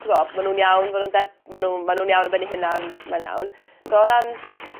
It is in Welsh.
t'bo' ma' na'n iawn ma' nw'n der- ma' n'w ma' nw'n iawn ar ben eu hunan mae'n iawn. So o ran